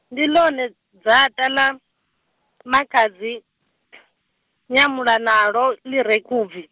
ndi ḽone, Dzaṱa ḽa, makhadzi , Nyamuḽanalo, ḽi re Khubvi.